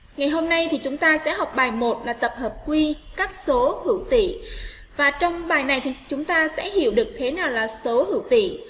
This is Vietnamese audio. ngày hôm nay thì chúng ta sẽ học bài bài tập hợp q các số hữu tỉ và trong bài này ta sẽ hiểu được thế nào là số hữu tỉ